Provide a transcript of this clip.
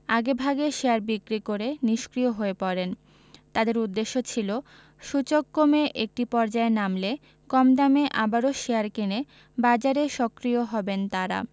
আগেভাগে শেয়ার বিক্রি করে নিষ্ক্রিয় হয়ে পড়েন তাঁদের উদ্দেশ্য ছিল সূচক কমে একটি পর্যায়ে নামলে কম দামে আবারও শেয়ার কিনে বাজারে সক্রিয় হবেন তাঁরা